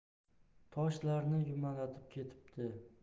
toshlarni yumalatib ketibdi